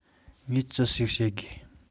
ངས ཅི ཞིག བཤད དགོས